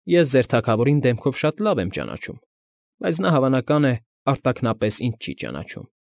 Ես ձեր թագավորին դեմքով շատ լավ եմ ճանաչում, բայց նա, հավանական է, արտաքնապես ինձ չի ճանաչում։